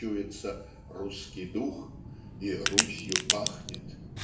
чуется "русский дух" и "Русью пахнет".